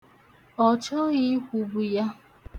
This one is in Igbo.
Ọ chọghị ikwubu ya.